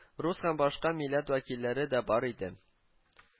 Рус һәм башка милләт вәкилләре дә бар иде